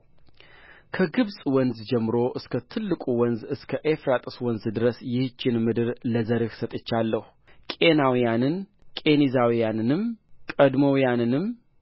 ከግብፅ ወንዝ ጀምሮ እስከ ትልቁ ወንዝ እስከ ኤፍራጥስ ወንዝ ድረስ ይህችን ምድር ለዘርህ ሰጥቼአለሁ ቄናውያንን ቄኔዛውያንንምቀድሞናውያንንም